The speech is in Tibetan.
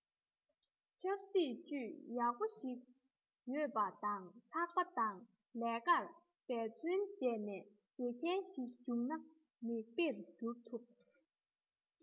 ཆབ སྲིད ཅུད ཡག པོ ཞིག ཡོད ཞིག ཡོད པ དང ལྷག པ དང ལས ཀར འབད བརྩོན བྱས ནས བྱེད མཁན ཞིག བྱུང ན མིག དཔེར གྱུར ཐུབ